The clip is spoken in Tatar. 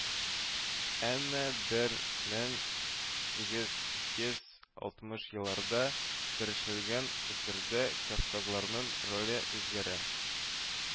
Әмма бер мең сигез йөз алтмыш елларда төшерелгән әсәрдә кавказларның роле үзгәрә